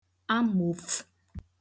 amòofu